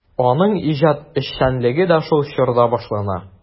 Аның иҗат эшчәнлеге дә шул чорда башлана.